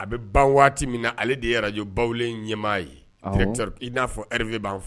A bɛ ban waati min na ale de yɛrɛj bawlen ɲɛmaa ye i n'a fɔ rep b' fɔ